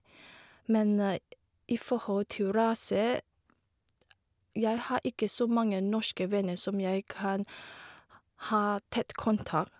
Men i forhold til rase, jeg har ikke så mange norske venner som jeg kan ha ha tett kontakt.